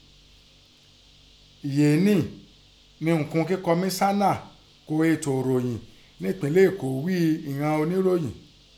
Yèé nẹ unǹkun ki kọmísánnà ún ètò èròyìn nẹ́ ẹpínlẹ̀ Èkó ghí ún ìghọn oníròyìn.